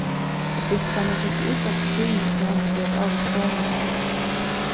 í fyrstani keypti útvarpið tíðindi frá honum fyri ávíst krónutal